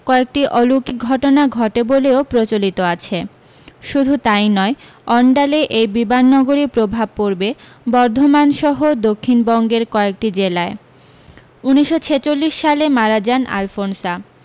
কয়েকটি অলুকিক ঘটনা ঘটে বলেও প্রচলিত আছে শুধু তাই নয় অণডালে এই বিমাননগরীর প্রভাব পড়বে বর্ধমানসহ দক্ষিণবঙ্গের কয়েকটি জেলায় উনিশশ ছেচল্লিশ সালে মারা যান আলফোনসা